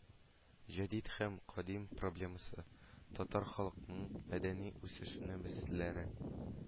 Җәдит һәм кадим проблемасы, татар халкының мәдәни үсеше мәсьәләләре